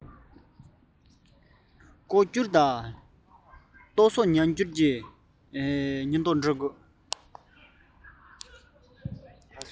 ལྐོག འགྱུར དང རྟོག བཟོས ཉམས འགྱུར གྱི འདྲ འབག གཡོག པའི ཉིན ཐོ བྲིས དང